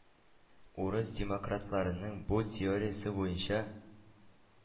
Урыс демократларының бу «теориясе» буенча,